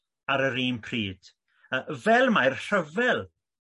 ar yr un pryd yy fel mae'r rhyfel